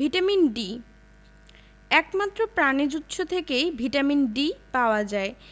vitamin D একমাত্র প্রাণিজ উৎস থেকেই ভিটামিন D পাওয়া যায়